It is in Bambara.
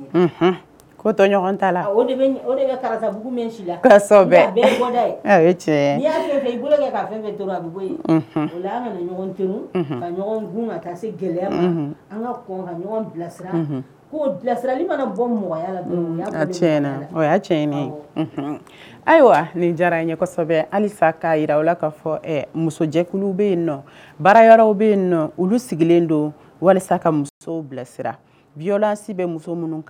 Bɔ ayiwa diyara' jira fɔ musojɛkulu bɛ yen bararaww bɛ yen olu sigilen don wali ka bilasira bilasi bɛ muso minnu